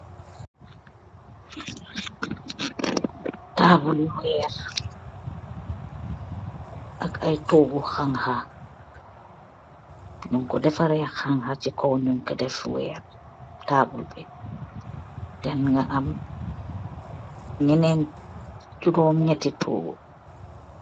Taabul bu weer ak ay toogu xanxa nyun ko defareh xanxa si kaw nyun ko deff nyun ko deff weer taabul bii nga aam nyeenti jurom nyeenti toogu